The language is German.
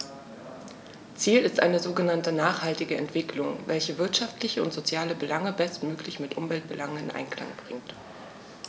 Ziel ist eine sogenannte nachhaltige Entwicklung, welche wirtschaftliche und soziale Belange bestmöglich mit Umweltbelangen in Einklang bringt.